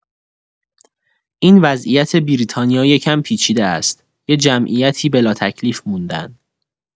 این وضعیت بریتانیا یکم پیچیده است یه جمعیتی بلاتکلیف موندن!